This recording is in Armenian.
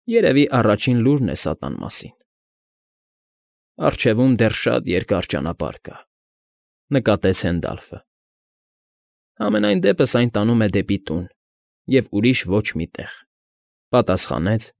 Երևի, առաջին լուրն է սա տան մասին։ ֊ Առջևում դեռ շատ երկար ճանապարհ կա,֊ նկատեց Հենդալֆը։ ֊ Համենայն դեպս այն տանում է դեպի տուն և ուրիշ ոչ մի տեղ,֊ պատասխանեց։